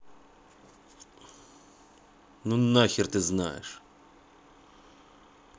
ну нахер ты знаешь